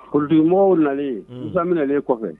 Politkimɔgɔw nanen Musa minɛnen kɔfɛ